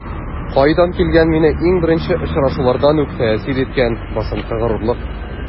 Кайдан килгән мине иң беренче очрашулардан үк әсир иткән басынкы горурлык?